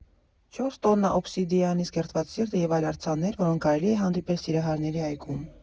Չորս տոննա օբսիդիանից կերտված սիրտը և այլ արձաններ, որոնք կարելի է հանդիպել Սիրահարների այգում։